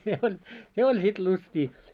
se oli se oli sitten lystiä